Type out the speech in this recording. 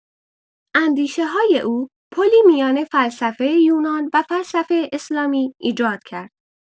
اندیشه‌های او پلی میان فلسفه یونان و فلسفه اسلامی ایجاد کرد.